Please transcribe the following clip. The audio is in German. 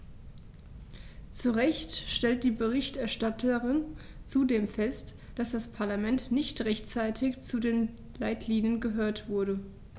Zu Recht stellt die Berichterstatterin zudem fest, dass das Parlament nicht rechtzeitig zu den Leitlinien gehört wurde.